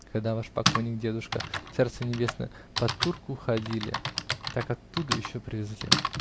Когда ваш покойник дедушка -- царство небесное -- под турку ходили, так оттуда еще привезли.